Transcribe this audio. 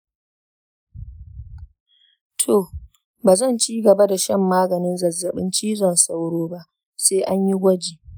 toh, ba zan ci gaba da shan maganin zazzaɓin cizon sauro ba sai an yi gwaji.